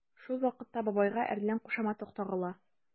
Шул вакытта бабайга “әрлән” кушаматы тагыла.